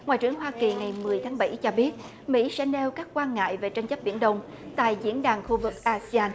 ngoại trưởng hoa kỳ ngày mười tháng bảy cho biết mỹ sẽ nêu các quan ngại về tranh chấp biển đông tại diễn đàn khu vực a si an